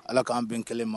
Ala kan bɛn kelen ma.